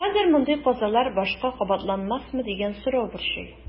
Хәзер мондый казалар башка кабатланмасмы дигән сорау борчый.